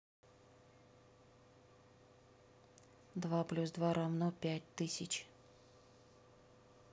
два плюс два равно пять тысяч